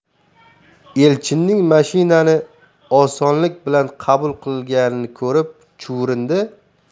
elchinning mashinani osonlik bilan qabul qilganini ko'rib chuvrindi